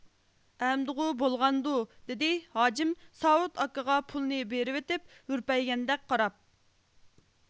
ئەمدىغۇ بولغاندۇ دېدى ھاجىم ساۋۇت ئاكىغا پۇلنى بېرىۋېتىپ ھۈرپەيگەندەك قاراپ